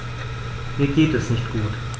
Mir geht es nicht gut.